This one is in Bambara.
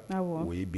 Awɔ, o ye bi